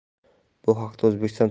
bu haqda o'zbekiston